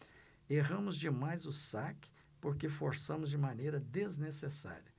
erramos demais o saque porque forçamos de maneira desnecessária